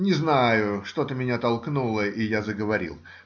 Не знаю, что-то меня толкнуло, и я заговорил.